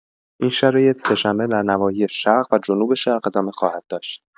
این شرایط سه‌شنبه در نواحی شرق و جنوب‌شرق ادامه خواهد داشت.